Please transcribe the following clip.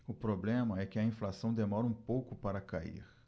o problema é que a inflação demora um pouco para cair